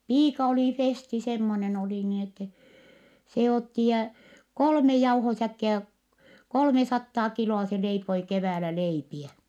piika oli Festi semmoinen oli niin että se otti ja kolme jauhosäkkiä kolmesataa kiloa se leipoi keväällä leipiä